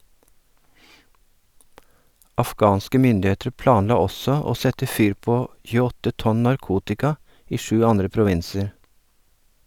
Afghanske myndigheter planla også å sette fyr på 28 tonn narkotika i sju andre provinser.